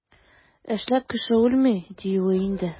Эшләп кеше үлми, диюе инде.